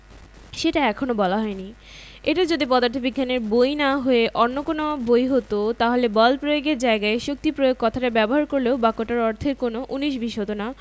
সেটা এখনো বলা হয়নি এটা যদি পদার্থবিজ্ঞানের বই না হয়ে অন্য কোনো বই হতো তাহলে বল প্রয়োগ এর জায়গায় শক্তি প্রয়োগ কথাটা ব্যবহার করলেও বাক্যটায় অর্থের কোনো উনিশ বিশ হতো না